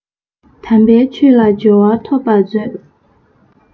དམ པའི ཆོས ལ སྦྱོར བ ཐོབ པར མཛོད